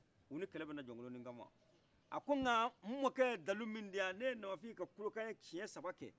uni kɛlɛ bɛna jɔnkoloni kama ako nka mɔkɛ ye dalu min diyan ne ye namafin ka kulekan ɲɛ siyɛn sabakɛ